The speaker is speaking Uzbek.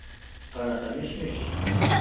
qanaqa mish mish